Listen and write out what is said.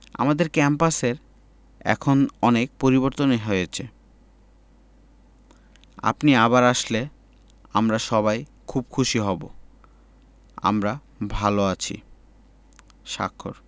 আমাদের ক্যাম্পাসের এখন অনেক পরিবর্তন হয়েছে আপনি আবার আসলে আমরা সবাই খুব খুশি হব আমরা ভালো আছি স্বাক্ষর